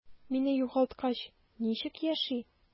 Мине югалткач, ничек яши?